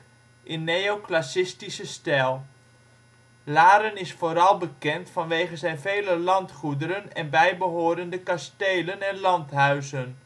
in neoclassicistische stijl. Laren is vooal bekend vanwege zijn vele landgoederen en bijbehorende kastelen en landhuizen